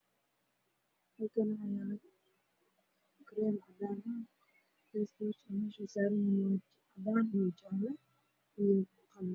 Hal kaan waxaa yaalo saxan cadaan ah waxey dul sarantahay miis